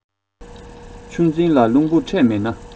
ཆུ འཛིན ལ རླུང བུ འཕྲད མེད ན